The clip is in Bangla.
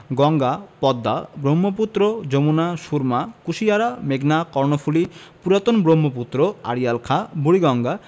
গঙ্গা পদ্মা ব্রহ্মপুত্র যমুনা সুরমা কুশিয়ারা মেঘনা কর্ণফুলি পুরাতন ব্রহ্মপুত্র আড়িয়াল খাঁ বুড়িগঙ্গা